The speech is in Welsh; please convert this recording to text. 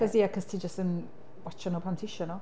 Achos, ia, achos ti jyst yn watsio nhw pan ti isio nhw.